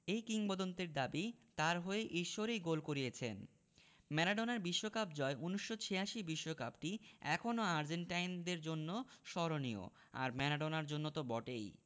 এই কিংবদন্তির দাবি তাঁর হয়ে ঈশ্বরই গোল করিয়েছেন ম্যারাডোনার বিশ্বকাপ জয় ১৯৮৬ বিশ্বকাপটি এখনো আর্জেন্টাইনদের জন্য স্মরণীয় আর ম্যারাডোনার জন্য তো বটেই